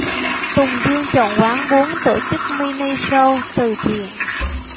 tùng dương chọn quán bún tổ chức mini show từ thiện